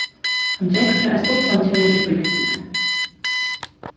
hann gekk sær ein stuttan túr í bygdini